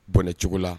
Bɔnɛ cogo la